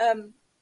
yym